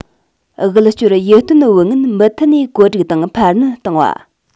དབུལ སྐྱོར ཡིད རྟོན བུན དངུལ མུ མཐུད ནས བཀོད སྒྲིག དང འཕར སྣོན བཏང བ